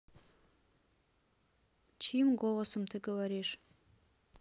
чьим голосом ты говоришь